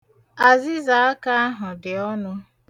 Azịzaaka ahụ dị ọnụ.